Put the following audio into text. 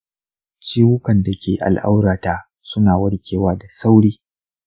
ciwukan dake al'aurata suna warkewa da sauri.